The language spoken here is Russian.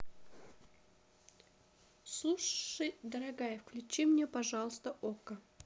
слушай дорогая включи мне пожалуйста окко